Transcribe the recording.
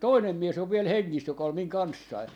toinen mies on vielä hengissä joka oli minun kanssani